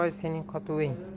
oy hoy sening qotuving